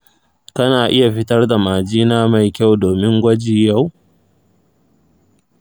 kana iya fitar da majina mai kyau domin gwaji yau?